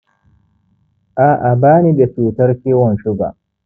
a'a, ba ni da cutar ciwon shuga